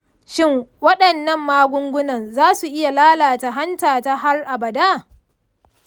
shin waɗannan magungunan za su iya lalata hanta ta har abada?